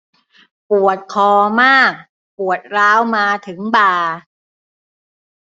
ปวดคอมากปวดร้าวมาถึงบ่า